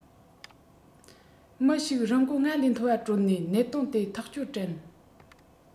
མི ཞིག རིན གོང སྔར ལས མཐོ བ སྤྲོད ནས གནད དོན དེ ཐག གཅོད དྲན